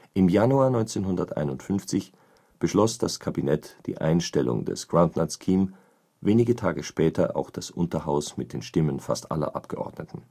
Im Januar 1951 beschloss das Kabinett die Einstellung des Groundnut Scheme, wenige Tage später auch das Unterhaus mit den Stimmen fast aller Abgeordneten